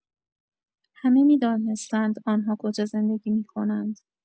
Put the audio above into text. همه می‌دانستند آن‌ها کجا زندگی می‌کنند.